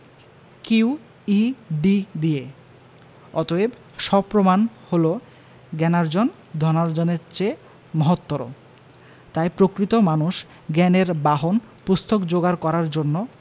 Q E D দিয়ে অতএব সপ্রমাণ হল জ্ঞানার্জন ধনার্জনের চেয়ে মহত্তর তাই প্রকৃত মানুষ জ্ঞানের বাহন পুস্তক যোগাড় করার জন্য